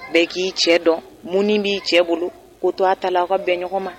Bɛɛ ki cɛ dɔn mun bi cɛ bolo ko to a ta la aw ka bɛn ɲɔgɔn ma.